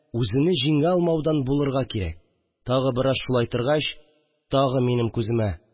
Үзене җиңә алмаудан булырга кирәк, тагы бераз шулай торгач, тагы минем күземә